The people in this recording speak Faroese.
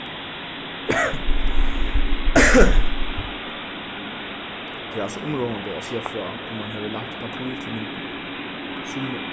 tað er altso umráðandi at siga frá um mann hevur lænt pappír til myndirnar